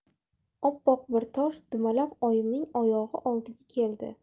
oppoq bir tosh dumalab oyimning oyog'i oldiga keldi